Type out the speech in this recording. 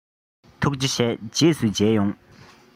ཐུགས རྗེ ཆེ རྗེས སུ མཇལ ཡོང